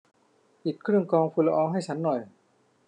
ปิดเครื่องกรองฝุ่นละอองให้ฉันหน่อย